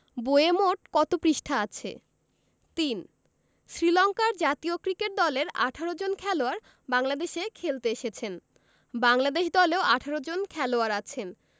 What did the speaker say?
বইয়ে মোট কত পৃষ্ঠা আছে ৩ শ্রীলংকার জাতীয় ক্রিকেট দলের ১৮ জন খেলোয়াড় বাংলাদেশে খেলতে এসেছেন বাংলাদেশ দলেও ১৮ জন খেলোয়াড় আছেন